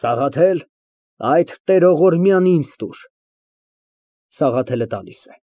Սաղաթել այդ տերողորմյան տուր ինձ։ (Սաղաթելը տալիս է)։